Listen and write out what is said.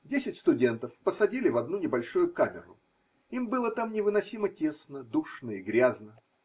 Десять студентов посадили в одну небольшую камеру: им было там невыносимо тесно, душно и грязно.